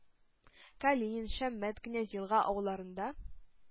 Калинин, Шәммәт, Князь-Елга авылларында